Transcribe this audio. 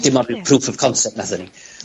...dim ond ryw proof of concept nathon ni.